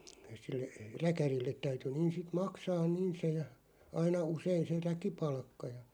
sille räkärille täytyi niin sitten maksaa niin se ja aina usein se räkipalkka ja